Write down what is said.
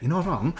You're not wrong.